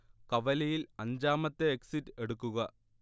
കവലയിൽ അഞ്ചാമത്തെ എക്സിറ്റ് എടുക്കുക